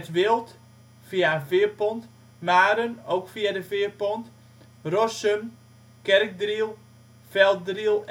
Wild (via veerpont), Maren (via veerpont), Rossum, Kerkdriel, Velddriel